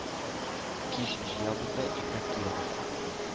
“кич җыябыз да иртән киләбез.